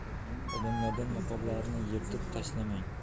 odamlardan niqoblarni yirtib tashlamang